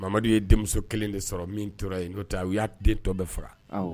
Mamadu ye denmuso kelen de sɔrɔ min tora yen n'o u y'a den tɔ bɛ faga